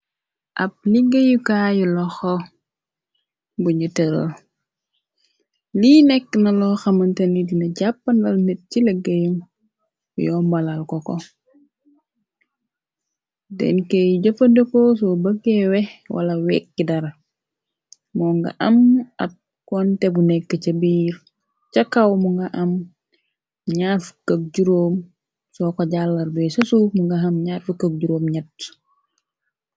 Ab liggéeyukaayu loxo buñu tëral lii nekk na loo xamante ni. Dina jàppandal nit ci leggéey yoo mbalal ko ko denkey jëfa dëkoo soo bëgkee we. Wala weekki dara moo nga am ab konte bu nekk ca biir.Ca kaw mu nga am 25 soo ko jàlarbe sësuu mu nga am 253.